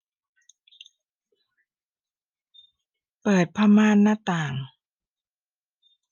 เปิดผ้าม่านหน้าต่าง